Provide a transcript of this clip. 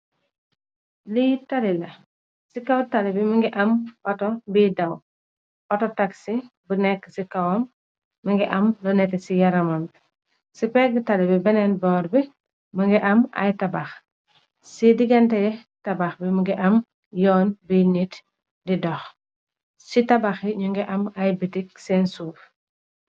Li tali la ci kaw tali bi mugii am Otto bi daw Otto taxi bu nekka ci kawam mugii am lu netteh ci yaram wi. Ci pega tali bi ci benen bor bi mugii am ay tabax, ci deganteh tabax mugii am yon wi nit di dox. Ci tabax bi mugii am ay bitik sèèn suuf.